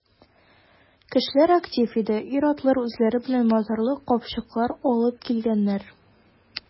Кешеләр актив иде, ир-атлар үзләре белән моторлы чапкычлар алыпн килгәннәр.